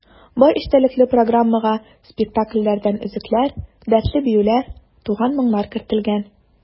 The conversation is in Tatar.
Бай эчтәлекле программага спектакльләрдән өзекләр, дәртле биюләр, туган моңнар кертелгән.